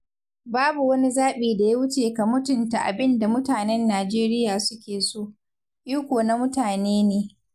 Babu wani zaɓi da ya wuce ka mutunta abin da mutanen Nijeriya suke so, iko na mutane ne.